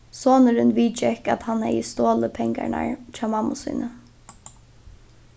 sonurin viðgekk at hann hevði stolið pengarnar hjá mammu síni